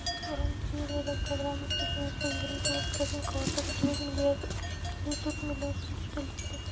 Дәүләт гарантияләре программасын финанслау 29 процентка артып, 19 млрд 354 млн сум тәшкил итте.